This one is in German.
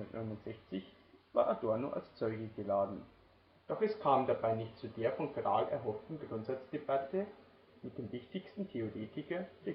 1969 war Adorno als Zeuge geladen. Doch es kam dabei nicht zu der von Krahl erhofften Grundsatzdebatte mit dem wichtigsten Theoretiker der Kritischen Theorie. Allerdings